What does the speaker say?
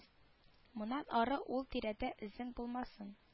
Моннан ары ул тирәдә эзең булмасын